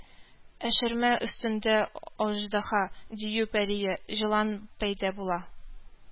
Эшермә өстендә Аждаһа, Дию пәрие, Җылан пәйда була